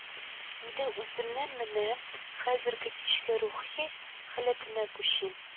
Инде үземнең менә хәзерге кичке рухи халәтемә күчим